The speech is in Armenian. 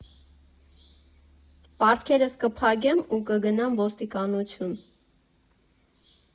Պարտքերս կփակեմ ու կգնամ ոստիկանություն։